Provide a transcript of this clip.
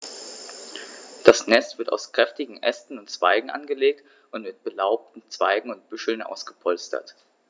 Das Nest wird aus kräftigen Ästen und Zweigen angelegt und mit belaubten Zweigen und Büscheln ausgepolstert.